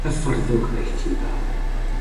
Hyfforddwch e'i chi bach.